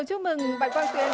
chúc mừng bạn văn